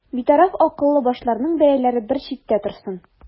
Битараф акыллы башларның бәяләре бер читтә торсын.